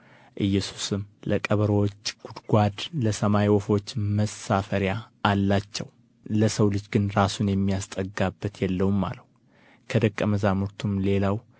ኢየሱስም ለቀበሮዎች ጉድጓድ ለሰማይም ወፎች መሳፈሪያ አላቸው ለሰው ልጅ ግን ራሱን የሚያስጠጋበት የለውም አለው ከደቀ መዛሙርቱም ሌላው